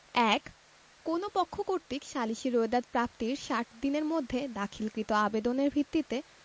১ কোন পক্ষ কর্তৃক সালিসী রোয়েদাদ প্রাপ্তির ষাট দিনের মধ্যে দাখিলকৃত আবেদনের ভিত্তিতে